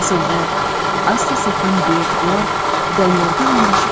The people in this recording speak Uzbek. so'ngra asta sekin beixtiyor doniyorga yondashib